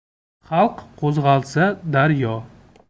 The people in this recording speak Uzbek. xalq qo'zg'alsa daryo